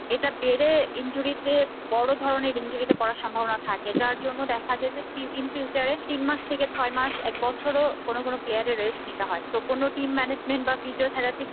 এটা বেড়ে ইনজুরিতে বড় ধরনের ইনজুরিতে পড়ার সম্ভাবনা থাকে তার জন্য দেখা যায় যে ইন ফিউচারে তিন মাস থেকে ৬ মাস বা বড় বড় ক্ষেত্রে এক বছরও প্লেয়ারের রেস্ট নিতে হয় তো কোন টিম ম্যানেজমেন্ট বা ফিজিওথেরাপিস্ট